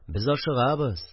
Без ашыгабыз